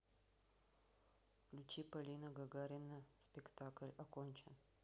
включи полина гагарина спектакль окончен